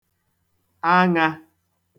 aṅā